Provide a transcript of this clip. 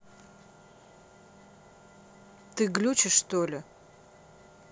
ты глючишь что ли